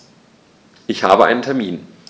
Ich habe einen Termin.